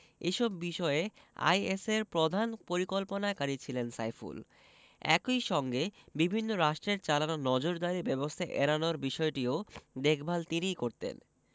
এসব বিষয়ে আইএসের প্রধান পরিকল্পনাকারী ছিলেন সাইফুল একই সঙ্গে বিভিন্ন রাষ্ট্রের চালানো নজরদারি ব্যবস্থা এড়ানোর বিষয়টিও দেখভাল তিনিই করতেন